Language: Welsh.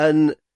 yn